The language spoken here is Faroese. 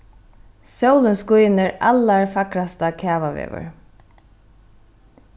sólin skínur allar fagrasta kavaveður